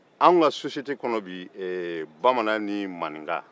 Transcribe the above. anw ka sosiyete kɔnɔ bi bamanan ni manika